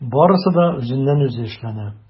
Барысы да үзеннән-үзе эшләнә.